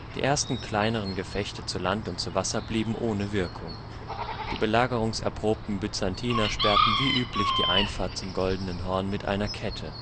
ersten kleineren Gefechte zu Land und zu Wasser blieben ohne Wirkung. Die belagerungserprobten Byzantiner sperrten wie üblich die Einfahrt zum Golden Horn mit einer Kette